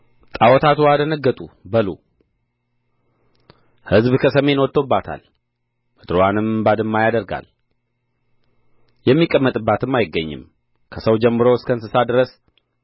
ጣዖታትዋ ደነገጡ በሉ ሕዝብ ከሰሜን ወጥቶባታል ምድርዋንም ባድማ ያደርጋል የሚቀመጥባትም አይገኝም ከሰው ጀምሮ እስከ እንስሳ ድረስ